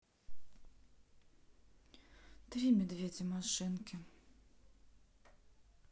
три медведя машинки